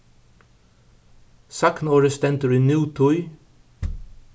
sagnorðið stendur í nútíð